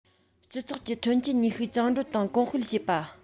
སྤྱི ཚོགས ཀྱི ཐོན སྐྱེད ནུས ཤུགས བཅིངས འགྲོལ དང གོང སྤེལ བྱེད པ